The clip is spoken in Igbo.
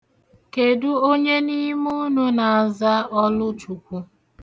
Kedụ onye n'ime unu na-aza Ọlụchukwu?